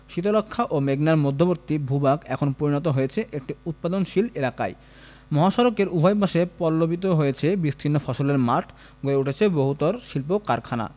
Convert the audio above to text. শীতলক্ষ্যা ও মেঘনার মধ্যবর্তী ভূভাগ এখন পরিণত হয়েছে একটি উৎপাদনশীল এলাকায় মহাসড়কের উভয় পাশে পল্লবিত হয়েছে বিস্তীর্ণ ফসলের মাঠ গড়ে উঠেছে বহুতর শিল্প কারখানা